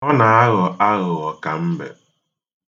Ọ na-aghọ aghụghọ ka mbe.